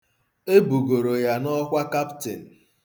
E bugoro ya n'ọkwa kaptịn.